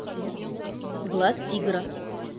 глаз тигра